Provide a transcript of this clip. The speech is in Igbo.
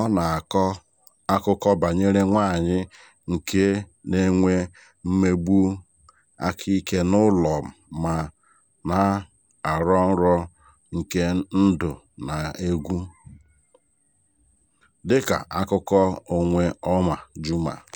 ọ na-akọ akụkọ banyere nwaanyị nke na-enwe mmegbu aka ike n'ụlọ ma na-arọ nrọ nke ndụ na egwu, dịka akụkọ onwe Omar Juma: